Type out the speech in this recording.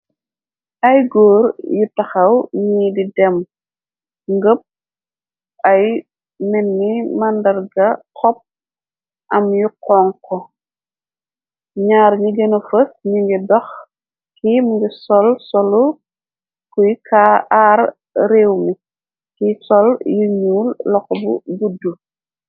Ay góor yu taxaw ñi di dem ngëpp ay nenni màndar ga xop am yu xonko ñaar ñi gëna fës ni ngi dox kimngi sol solu kuy kaar réew mi ci sol yu ñuul loxo bu gudd.